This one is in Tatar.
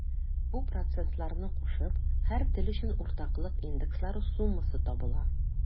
Бу процентларны кушып, һәр тел өчен уртаклык индекслары суммасы табыла.